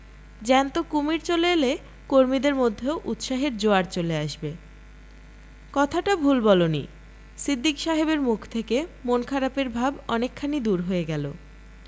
জ্যান্ত কুমীর চলে এলে কর্মীদের মধ্যেও উৎসাহের জোয়ার চলে আসবে কথাটা ভুল বলনি সিদ্দিক সাহেবের মুখ থেকে মন খারাপের ভাব অনেকখানি দূর হয়ে গেল